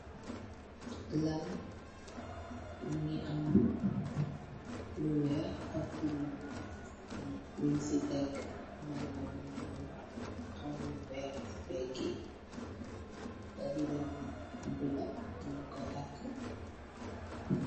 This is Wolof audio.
Laal mongi am lu weex ak lu nuul nyung si tek madlaa bu nuul am lu weex si pegey redo bu bulu nyun ko taka.